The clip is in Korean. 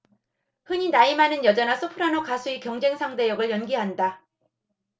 흔히 나이 많은 여자나 소프라노 가수의 경쟁 상대 역을 연기한다